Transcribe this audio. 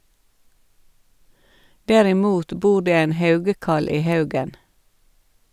Derimot bor det en haugekall i haugen.